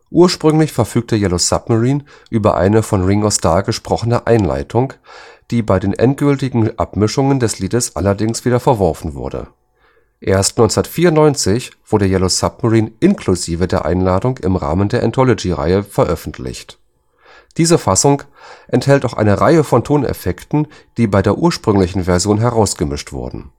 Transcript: Ursprünglich verfügte „ Yellow Submarine “über eine von Ringo Starr gesprochene Einleitung, die bei den endgültigen Abmischungen des Liedes allerdings wieder verworfen wurde. Erst 1994 wurde „ Yellow Submarine “inklusive der Einleitung im Rahmen der Anthology-Reihe veröffentlicht. Diese Fassung enthält auch eine Reihe von Toneffekte, die bei der ursprünglichen Version herausgemischt wurden